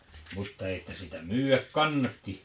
mutta että sitä myydä kannatti